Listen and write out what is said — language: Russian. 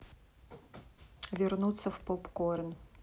вернуться в попкорн